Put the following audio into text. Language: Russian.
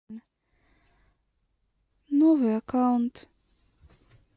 новый аккаунт